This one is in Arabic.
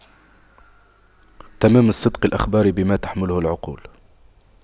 تمام الصدق الإخبار بما تحمله العقول